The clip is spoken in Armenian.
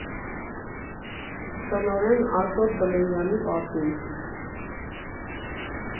Տնօրեն Աշոտ Բլեյանի պատվին։